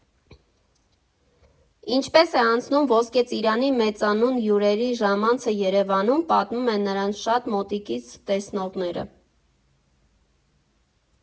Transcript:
Ինչպես է անցնում Ոսկե ծիրանի մեծանուն հյուրերի ժամանցը Երևանում, պատմում են նրանց շատ մոտիկից տեսնողները։